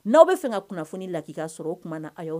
N'aw bɛ fɛ ka kunnafoni la'i ka sɔrɔ oumana a ye